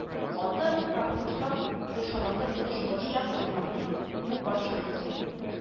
Аты — Капкорсак, кушаматы Бушборчак булган, ди, бу патшаның